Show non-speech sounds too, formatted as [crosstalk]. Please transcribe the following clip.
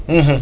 [hesitation] [hesitation]